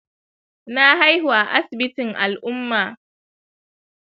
na haihu a asibatin al' umma.